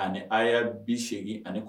Ani'a bi segin ani